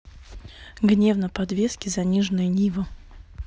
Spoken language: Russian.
гневно подвески и заниженная нива